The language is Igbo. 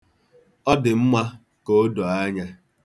Ọ dị mma ka o doo anya.